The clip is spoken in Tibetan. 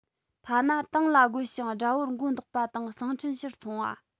ཐ ན ཏང ལ རྒོལ ཞིང དགྲ བོར མགོ འདོགས པ དང གསང འཕྲིན ཕྱིར འཚོང བ